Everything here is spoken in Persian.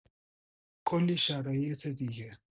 کلی شرایط دیگه